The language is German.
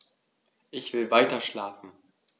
Ich will weiterschlafen.